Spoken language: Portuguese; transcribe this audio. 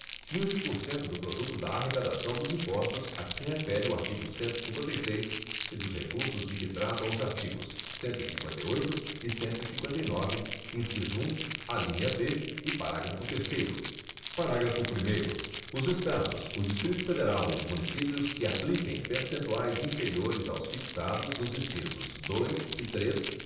quinze por cento do produto da arrecadação dos impostos a que se refere o artigo cento e cinquenta e seis e dos recursos de que tratam os artigos cento e cinquenta e oito e cento e cinquenta e nove inciso um alínea b e parágrafo terceiro parágrafo primeiro os estados o distrito federal e os municípios que apliquem percentuais inferiores aos fixados nos incisos dois e três